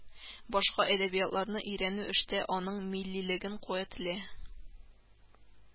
Башка әдәбиятларны өйрәнү эштә аның миллилеген куәтлә